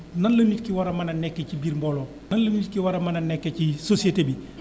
nan la nit ki wara a mën a nekkee ci biir mbooloo nan la nit ki war a mën a nekkee ci société bi